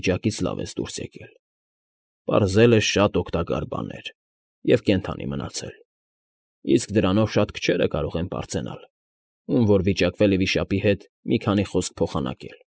Վիճակից լավ ես դուրս եկել՝ պարզել ես շատ օգտակար բաներ և կենդանի մնացել, իսկ դրանով շատ քչերը կարող են պարծենալ՝ ում որ վիճակվել է վիշապի հետ մի քանի խոսք փոխանակել։